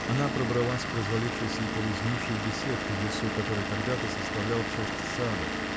Она пробралась к развалившейся и полусгнившей беседке в лесу, который когда-то составлял часть сада.